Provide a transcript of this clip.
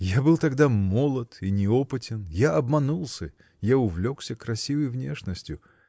Я был тогда молод и неопытен; я обманулся, я увлекся красивой внешностью.